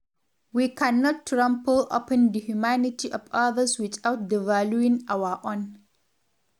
We cannot trample upon the humanity of others without devaluing our own.